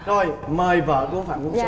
rồi mời vợ của phạm công